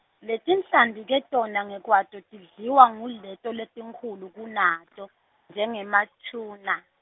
Letinhlanti ke tona ngekwato tidliwa nguleto letinkhulu kunato, njengemaTuna.